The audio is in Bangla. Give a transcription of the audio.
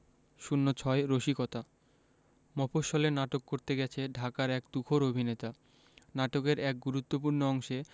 ০৬ রসিকতা মফশ্বলে নাটক করতে গেছে ঢাকার এক তুখোর অভিনেতা নাটকের এক গুরুত্তপূ্র্ণ অংশে